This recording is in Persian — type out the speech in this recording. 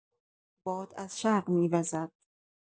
باد از شرق می‌وزد!